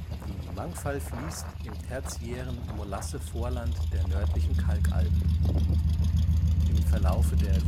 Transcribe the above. Die Mangfall fließt im tertiären Molasse-Vorland der nördlichen Kalkalpen. Im Verlaufe der